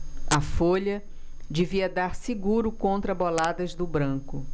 a folha devia dar seguro contra boladas do branco